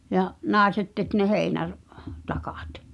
ja naiset teki ne - heinätakat